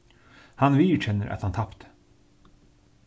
hann viðurkennir at hann tapti